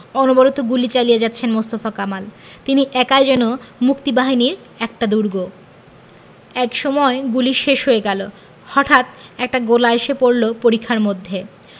অনবরত গুলি চালিয়ে যাচ্ছেন মোস্তফা কামাল তিনি একাই যেন মুক্তিবাহিনীর একটা দুর্গ একসময় গুলি শেষ হয়ে গেল হটাঠ একটা গোলা এসে পড়ল পরিখার মধ্যে